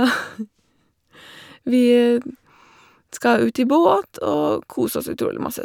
Vi dn skal ut i båt og kose oss utrolig masse.